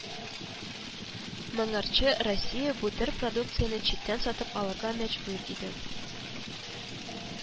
Моңарчы Россия бу төр продукцияне читтән сатып алырга мәҗбүр иде